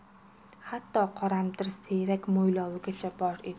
hatto qoramtir siyrak mo'ylovigacha bor edi